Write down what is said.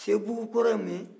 sebugu kɔrɔ ye mun ye